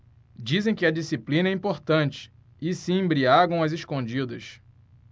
dizem que a disciplina é importante e se embriagam às escondidas